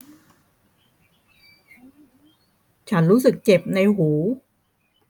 ฉันรู้สึกเจ็บในหู